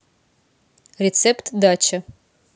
рецепт дача